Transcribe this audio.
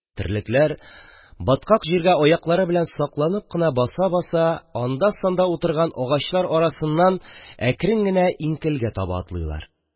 Терлекләр, баткак җиргә аяклары белән сакланып кына баса-баса, анда-санда утырган агачлар арасыннан әкрен генә иңкелгә таба атлыйлар.